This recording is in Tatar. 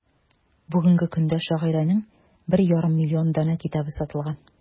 Бүгенге көндә шагыйрәнең 1,5 миллион данә китабы сатылган.